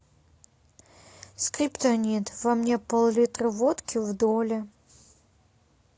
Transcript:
скриптонит во мне поллитра водки в доле